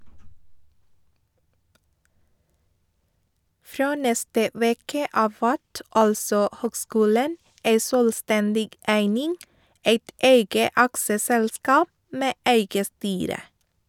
Frå neste veke av vert altså høgskulen ei sjølvstendig eining, eit eige aksjeselskap med eige styre.